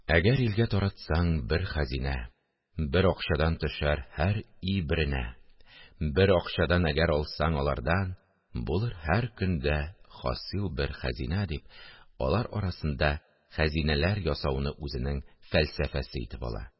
Әгәр илгә таратсаң бер хәзинә, Бер акчадан төшәр һәр өй беренә; Бер акчадан әгәр алсаң алардан, Булыр һәр көндә хасыйл бер хәзинә, – дип, алар арасында хәзинәләр ясауны үзенең фәлсәфәсе итеп ала